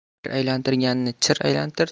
bir aylantirganni chir aylantir